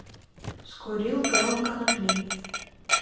скурил грамм конопли